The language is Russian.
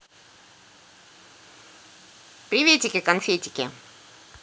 приветики конфетики